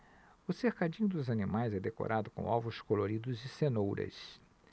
o cercadinho dos animais é decorado com ovos coloridos e cenouras